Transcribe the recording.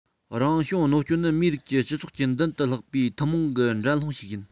རང བྱུང གནོད སྐྱོན ནི མིའི རིགས ཀྱི སྤྱི ཚོགས ཀྱི མདུན དུ ལྷགས པའི ཐུན མོང གི འགྲན སློང ཞིག ཡིན